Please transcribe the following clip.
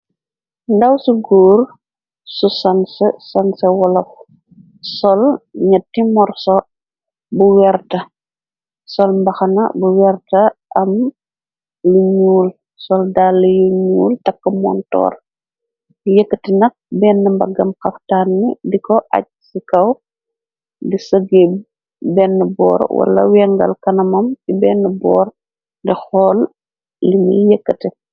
Ndaw su goor su sanse, sanse wolof, sol ñetti morso bu wert, sol mbaxana bu werta, am lu ñuul sol dallë yu ñuul takka montoor, yëkkati nak bennë mbaggam xaftaan mi di ko aj ci kaw di sëgeb benn boor, wala wengal kanamam si benn boor, di xool limuy yekkate.